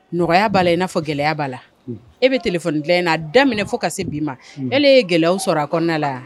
Nɔgɔyaya b'a la i n'a fɔ gɛlɛya b'a la e bɛ t- n'a daminɛ fo ka se bi' ma e ye gɛlɛya sɔrɔ a kɔnɔna la yan